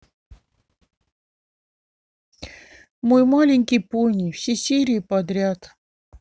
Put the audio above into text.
мой маленький пони все серии подряд